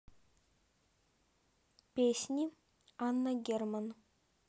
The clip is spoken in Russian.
песни анна герман